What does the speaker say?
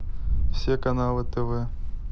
все каналы тв